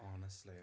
Honestly.